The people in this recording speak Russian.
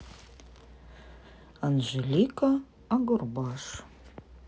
анжелика агурбаш